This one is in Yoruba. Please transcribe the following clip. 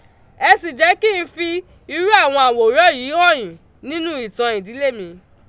Ẹ sì jẹ́ kí n fi irú àwọn àwòrán yìí hàn yín nínú ìtàn ìdílé mi.